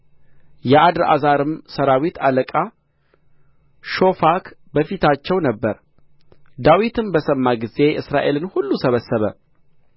የአድርአዛርም ሠራዊት አለቃ ሾፋክ በፊታቸው ነበረ ዳዊትም በሰማ ጊዜ እስራኤልን ሁሉ ሰበሰበ